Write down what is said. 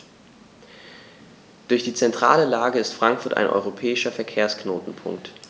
Durch die zentrale Lage ist Frankfurt ein europäischer Verkehrsknotenpunkt.